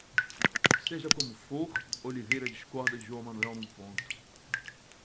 seja como for oliveira discorda de joão manuel num ponto